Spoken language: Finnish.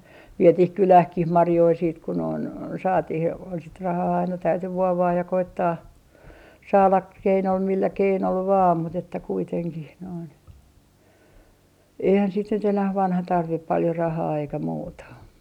vietiin kyläänkin marjoja sitten kun noin saatiin ja sitten rahaa aina täytyi vuovata ja koettaa saada - millä keinolla vain mutta että kuitenkin noin eihän sitten nyt enää vanha tarvitse paljon rahaa eikä muuta